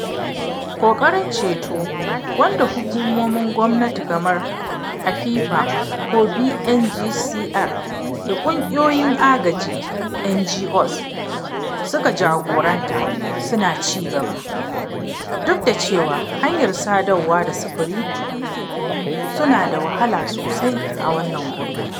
Ƙoƙarin ceto wanda hukumomin gwamnati kamar Apipa ko BNGCR da Ƙungiyoyin Agaji (NGOs) suka jagoranta suna ci gaba, duk da cewa hanyar sadarwa da sufuri suna da wahala sosai a wannan gurbi.